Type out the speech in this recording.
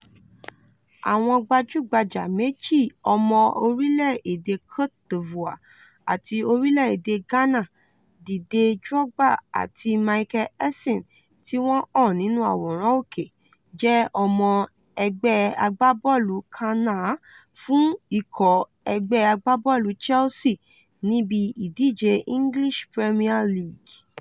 Àwọn gbajú-gbajà méjì ọmọ orílẹ̀ èdè Cote d'Ivoire àti orílẹ̀ èdè Ghana, Dìde Drogba àti Michael Essien (tí wọ́n hàn nínú àwòrán òkè) jẹ́ ọmọ ẹgbẹ́ agbábọ́ọ̀lù kannáà fún ikọ̀ ẹgbẹ́ agbábọ́ọ̀lù Chelsea níbi ìdíje English Premier League.